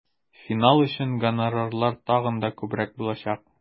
Финал өчен гонорарлар тагын да күбрәк булачак.